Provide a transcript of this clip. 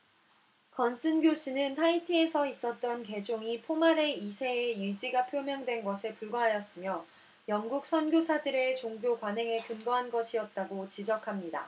건슨 교수는 타히티에서 있었던 개종이 포마레 이 세의 의지가 표명된 것에 불과하였으며 영국 선교사들의 종교 관행에 근거한 것이었다고 지적합니다